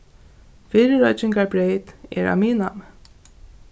fyrireikingarbreyt er á miðnámi